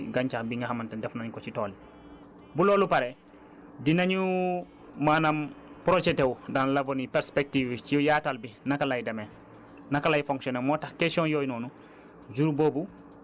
ak par rapport ak lu ñu fas yéene def ci gàncax bi nga xamante ne def nañ ko ci tool yi bu loolu paree dinañu maanaam projeter wu dans l' avenir perspectives yi ci yaatal bi naka lay demee naka lay fonctionner